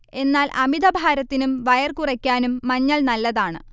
എന്നാൽ അമിതഭാരത്തിനും വയർ കുറക്കാനും മഞ്ഞൾ നല്ലതാണ്